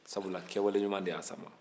sabula kɛwale ɲuman de y'a s'a ma